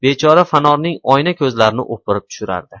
bechora fanorning oyna ko'zlarini o'pirib tushirardi